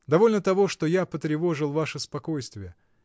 Довольно того, что я потревожил ваше спокойствие.